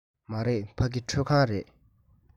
མ རེད ཕ གི ཁྲུད ཁང རེད